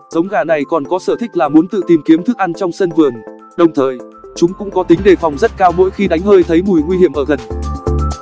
giống gà này còn có sở thích là muốn tự tìm kiếm thức ăn trong sân vườn đồng thời chúng cũng có tính đề phòng rất cao mỗi khi đánh hơi thấy mùi nguy hiểm ở gần